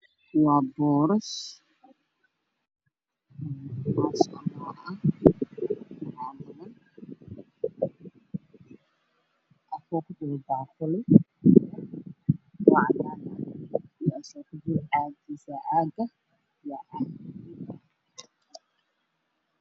Waa borrush oo ku jiro bacdag oo cadaan ah waxaana howl fadhiyo gabar karineysa hoorasho